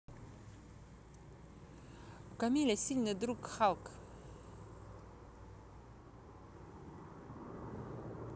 у камиля сильный друг халк